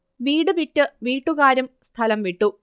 വീട് വിറ്റ് വീട്ടുകാരും സ്ഥലം വിട്ടു